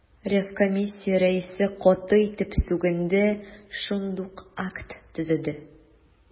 Ревкомиссия рәисе каты итеп сүгенде, шундук акт төзеде.